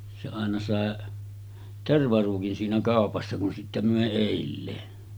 se aina sai tervaruukin siinä kaupassa kun sitten myi edelleen